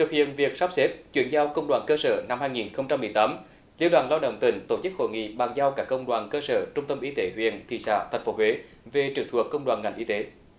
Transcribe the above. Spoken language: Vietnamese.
thực hiện việc sắp xếp chuyển giao công đoàn cơ sở năm hai nghìn không trăm mười tám liên đoàn lao động tỉnh tổ chức hội nghị bàn giao các công đoàn cơ sở trung tâm y tế huyện thị xã thành phố huế về trực thuộc công đoàn ngành y tế